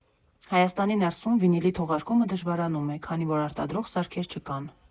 Հայաստանի ներսում վինիլի թողարկումը դժվարանում է, քանի որ արտադրող սարքեր չկան։